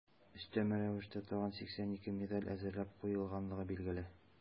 Өстәмә рәвештә тагын 82 медаль әзерләп куелганлыгы билгеле.